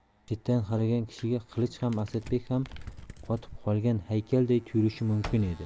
chetdan qaragan kishiga qilich ham asadbek ham qotib qolgan haykalday tuyulishi mumkin edi